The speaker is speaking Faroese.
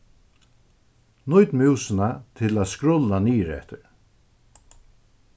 nýt músina til at skrulla niðureftir